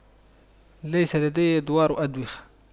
ليس لدي دوار وأدوخه